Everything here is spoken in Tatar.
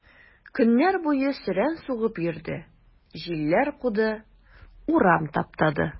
Көннәр буе сөрән сугып йөрде, җилләр куды, урам таптады.